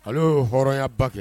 Ale y'o hɔrɔnyaba kɛ